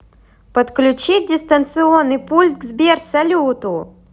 подключить дистанционный пульт к сбер салюту